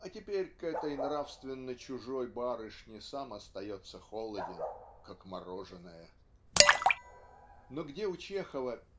а теперь к этой нравственно чужой барышне сам остается холоден "как мороженое". Но где у Чехова